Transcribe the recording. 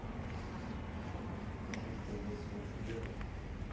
хорошо что у нас солнцееда